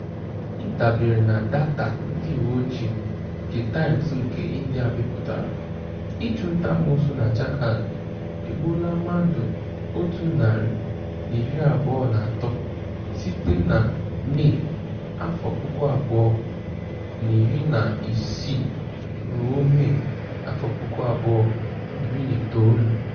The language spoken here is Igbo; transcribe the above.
Ịdabere na daata ndị uwe ojii nke Times nke India bipụtara, ịchụnta-amoosu na Jharkhand egbuola mmadụ 123 site na Mee 2016 ruo Mee 2019.